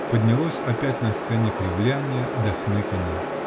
Поднялось опять на сцене кривлянье да хныканье.